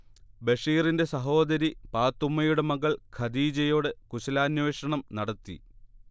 ബഷീറിന്റെ സഹോദരി പാത്തുമ്മയുടെ മകൾ ഖദീജയോട് കുശലാന്വേഷണം നടത്തി